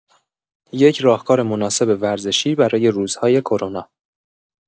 یک راهکار مناسب ورزشی برای روزهای کرونا